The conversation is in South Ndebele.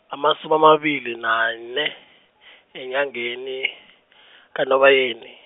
amasumi amabili nane, enyangeni, kaNobayeni.